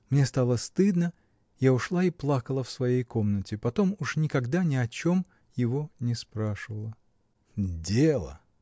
Мне стало стыдно, я ушла и плакала в своей комнате, потом уж никогда ни о чем его не спрашивала. — Дело!